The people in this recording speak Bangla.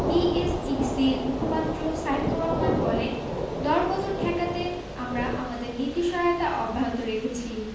বিএসইসির মুখপাত্র সাইফুর রহমান বলেন দরপতন ঠেকাতে আমরা আমাদের নীতি সহায়তা অব্যাহত রেখেছি